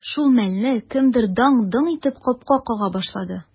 Шул мәлне кемдер даң-доң итеп капка кага башлады.